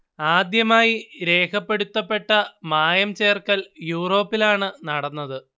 ആദ്യമായി രേഖപ്പെടുത്തപ്പെട്ട മായം ചേർക്കൽ യൂറോപ്പിലാണ് നടന്നത്